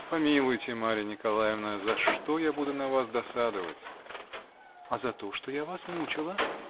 -- Помилуйте, Марья Николаевна, за что я буду на вас досадовать? -- А за то, что я вас мучила.